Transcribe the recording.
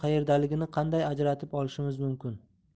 qayerdaligini qanday ajratib olishimiz mumkin